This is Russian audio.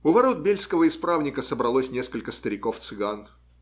У ворот бельского исправника собралось несколько стариков цыган.